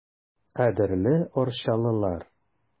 Кадерле арчалылар!